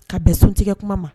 Ka bɛn sun tigɛ kuma ma